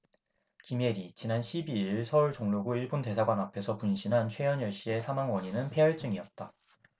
김예리 지난 십 이 일 서울 종로구 일본대사관 앞에서 분신한 최현열씨의 사망 원인은 패혈증이었다